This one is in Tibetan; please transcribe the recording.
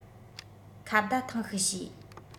ཁ བརྡ ཐེངས ཤིག བྱས